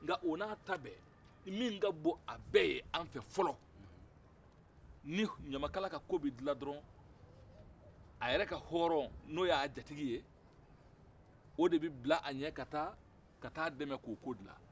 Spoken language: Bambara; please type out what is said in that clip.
nka o n'a ta bɛɛ min ka bon a bɛɛ ye an fɛ fɔlɔ ni ɲamakala ka ko bɛ dilan dɔrɔn a yɛrɛ hɔrɔn n'o y'a jatigi ye o de bɛ bil'a ɲɛ ka ta'a dɛmɛ k'o ko dilan